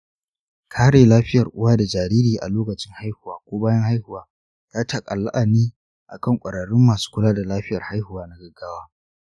kare lafiyar uwa da jariri a lokacin haihuwa ko bayan haihuwa ya ta'allaka ne akan kwararrun masu kula da lafiyar haihuwa na gaggawa.